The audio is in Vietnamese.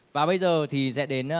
và bây giờ thì sẽ đến